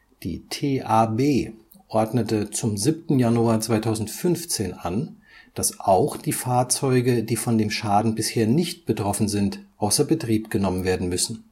Die TAB ordnete zum 7. Januar 2015 an, dass auch die Fahrzeuge, die von dem Schaden bisher nicht betroffen sind, außer Betrieb genommen werden müssen